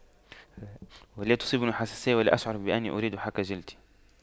ولا تصيبني الحساسية ولا أشعر بأني أريد حك جلدي